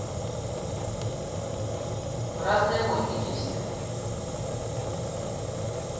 разные мультики все